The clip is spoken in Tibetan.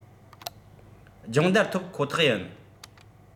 སྦྱོང བརྡར ཐོབ ཁོ ཐག ཡིན